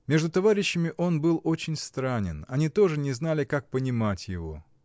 Между товарищами он был очень странен, они тоже не знали, как понимать его.